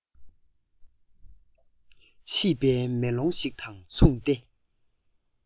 ཕྱིས པའི མེ ལོང ཞིག དང མཚུངས ཏེ